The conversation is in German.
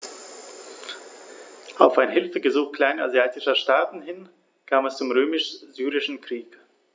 Auf ein Hilfegesuch kleinasiatischer Staaten hin kam es zum Römisch-Syrischen Krieg.